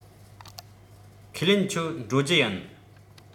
ཁས ལེན ཁྱོད འགྲོ རྒྱུ ཡིན